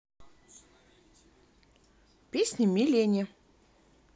песни милене